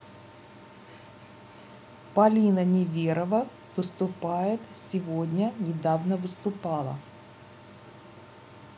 полина неверова выступает сегодня недавно выступала